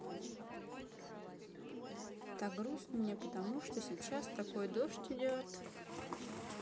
так грустно мне потому что сейчас такой дождь идет